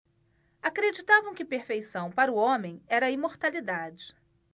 acreditavam que perfeição para o homem era a imortalidade